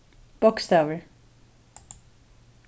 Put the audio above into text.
bókstavir